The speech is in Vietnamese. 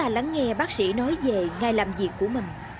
ta lắng nghe bác sĩ nói dề ngày làm việc của mình